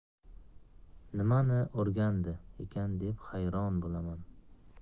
nimani o'rgandi ekan deb hayron bo'laman